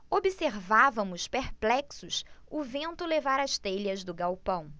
observávamos perplexos o vento levar as telhas do galpão